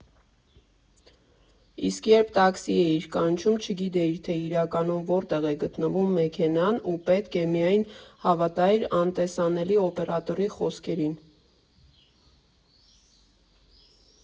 Իսկ երբ տաքսի էիր կանչում, չգիտեիր, թե իրականում որտեղ է գտնվում մեքենան ու պետք է միայն հավատայիր անտեսանելի օպերատորի խոսքերին։